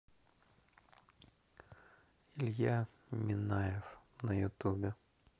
илья миняев на ютубе